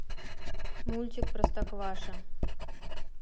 мультик простокваша